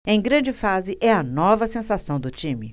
em grande fase é a nova sensação do time